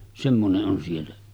semmoinen on siellä